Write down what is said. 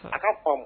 A ka fɔ